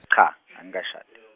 cha, angikashadi.